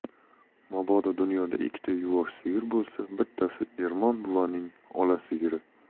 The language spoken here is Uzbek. mabodo dunyoda ikkita yuvosh sigir bo'lsa bittasi ermon buvaning ola sigiri